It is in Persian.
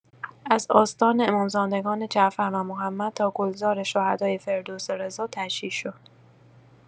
از آستان امامزادگان جعفر و محمد تا گلزار شهدای فردوس رضا تشییع شد.